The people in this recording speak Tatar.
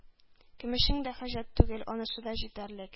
Көмешең дә хаҗәт түгел — анысы да җитәрлек.